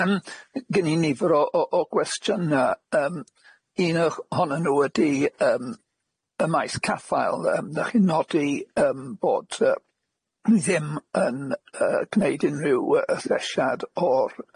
Yym gen i nifer o o o gwestiyna yym un o'ch ohonyn nhw ydy yym y maes caffael yym dach chi'n nodi yym bod yy ni ddim yn yy gneud unrhyw yy y llesiad o'r